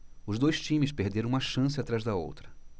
os dois times perderam uma chance atrás da outra